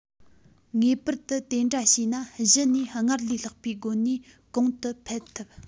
ངེས པར དུ དེ འདྲ བྱས ན གཞི ནས སྔར ལས ལྷག པའི སྒོ ནས གོང དུ འཕེལ ཐུབ